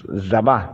Nzaban